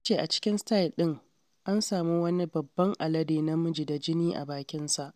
Ya ce a cikin sty ɗin an sami wani babban alade namiji da jini a bakinsa.